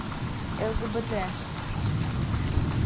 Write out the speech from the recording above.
лгбт